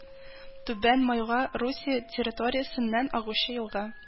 Түбән Майга Русия территориясеннән агучы елга